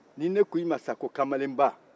ni ne ko e ma sisan ko kamalenba